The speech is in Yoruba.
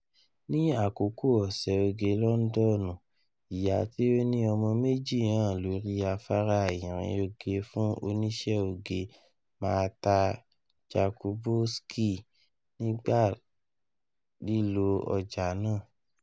Ni akoko Ọsẹ Oge Lọndọnu, iya ti o ni ọmọ meji han lori afara irin oge fun oniṣẹ oge Marta Jakubowski nigba lilo ọja naa.